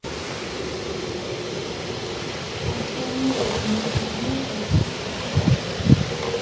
а спланировать мой день можешь